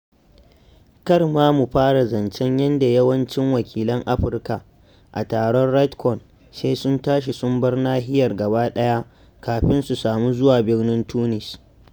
Kar ma mu fara zancen yadda yawancin wakilan Afirka a taron RightsCon sai sun tashi sun bar nahiyar gaba ɗaya, kafin su samu zuwa birnin Tunis.